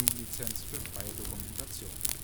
Lizenz für freie Dokumentation